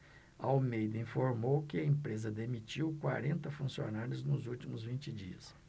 almeida informou que a empresa demitiu quarenta funcionários nos últimos vinte dias